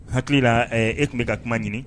Hakili e tun bɛ ka kuma ɲini